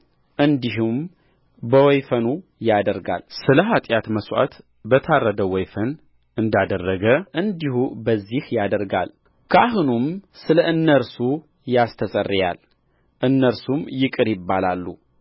እንዲህም በወይፈኑ ያደርጋል ስለ ኃጢአት መሥዋዕት በታረደው ወይፈን እንዳደረገ እንዲሁ በዚህ ያደርጋል ካህኑም ስለ እነርሱ ያስተሰርያል እነርሱም ይቅር ይባላሉ